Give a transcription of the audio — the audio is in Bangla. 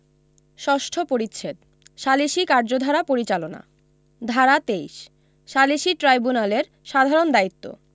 ষষ্ঠ পরিচ্ছেদ সালিসী কার্যধারা পরিচালনা ধারা ২৩ সালিসী ট্রাইব্যুনালের সাধারণ দায়িত্ব